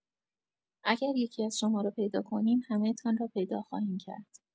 اگر یکی‌از شما را پیدا کنیم، همه‌تان را پیدا خواهیم کرد.